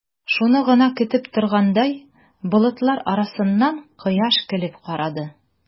Шуны гына көтеп торгандай, болытлар арасыннан кояш көлеп карады.